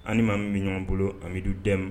Hali ma bɛ ɲɔgɔn bolo a bɛdu dɛmɛ